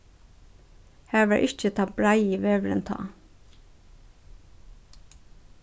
har var ikki tað breiði vegurin tá